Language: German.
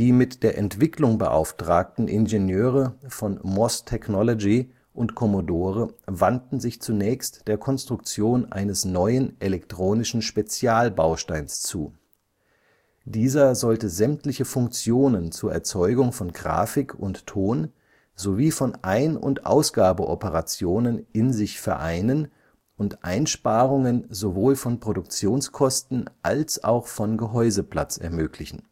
mit der Entwicklung beauftragten Ingenieure von MOS Technology und Commodore wandten sich zunächst der Konstruktion eines neuen elektronischen Spezialbausteins zu. Dieser sollte sämtliche Funktionen zur Erzeugung von Grafik und Ton sowie von Ein - und Ausgabeoperationen in sich vereinen und Einsparungen sowohl von Produktionskosten als auch von Gehäuseplatz ermöglichen